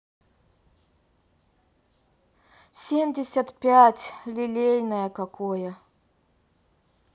семьдесят пять лилейное какое